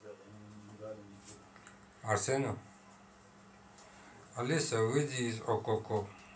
алиса выйди из okko